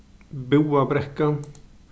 búðabrekka